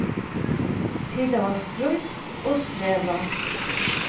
tit hava stríðst og strevast